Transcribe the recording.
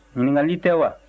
ɲininkali tɛ wa